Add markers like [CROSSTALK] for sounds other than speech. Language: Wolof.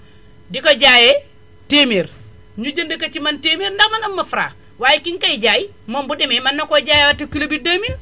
di ko jaayee téeméer ñu jëndee ko ci man téeméer ndax man aw ma fra waaye ki ñu koy jaay moom bu demee mën na koo jaayewaatee kilo bi deux milles [NOISE]